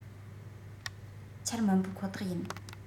ཆར མི འབབ ཁོ ཐག ཡིན